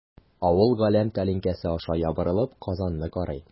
Авыл галәм тәлинкәсе аша ябырылып Казанны карый.